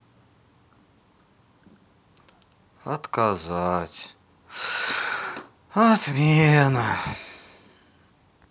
отказать отмена